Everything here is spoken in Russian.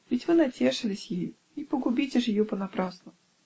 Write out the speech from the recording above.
Ведь вы натешились ею; не погубите ж ее понапрасну".